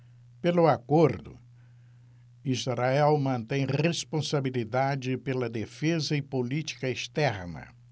pelo acordo israel mantém responsabilidade pela defesa e política externa